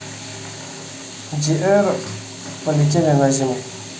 dr полетели на зиму